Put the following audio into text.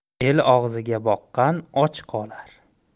el og'ziga boqqan och qolar